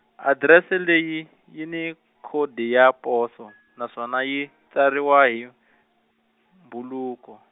adirese leyi, yi ni khodi ya poso, naswona yi tsariwa hi, mbhuluko.